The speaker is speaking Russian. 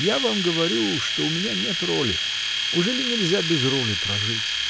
я вам говорю, что у меня нет роли: ужели нельзя без роли прожить?.